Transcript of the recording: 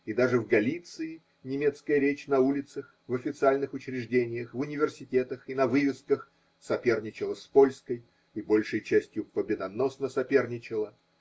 и даже в Галиции немецкая речь на улицах, в официальных учреждениях, в университетах и на вывесках соперничала с польской, и большей частью победоносно соперничала.